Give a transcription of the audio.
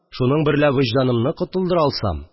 Шуның берлә вөҗданымны котылдыра алсам